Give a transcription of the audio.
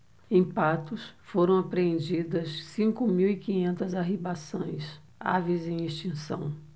em patos foram apreendidas cinco mil e quinhentas arribaçãs aves em extinção